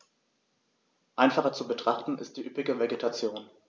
Einfacher zu betrachten ist die üppige Vegetation.